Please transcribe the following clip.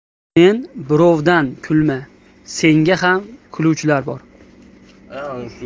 sen birovdan kulma senga ham kulguvchilar bor